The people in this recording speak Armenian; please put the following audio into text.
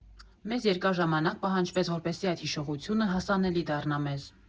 Մեզ երկար ժամանակ պահանջվեց, որպեսզի այդ հիշողությունը հասանելի դառնա մեզ։